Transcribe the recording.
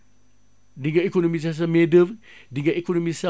di nga économiser sa main d' oeuvre di nga économiser sa